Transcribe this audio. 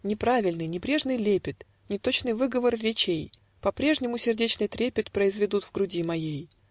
Неправильный, небрежный лепет, Неточный выговор речей По-прежнему сердечный трепет Произведут в груди моей